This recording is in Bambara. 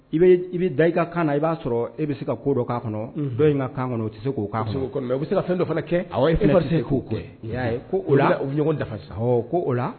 I i bɛ da i ka kan i b'a sɔrɔ e bɛ se ka ko dɔ k kan kɔnɔ dɔw in ka kan kɔnɔ o tɛ se' so bɛ se ka fɛn dɔ fana kɛ fɛn se k'o bɛ ɲɔgɔn dafa sa o la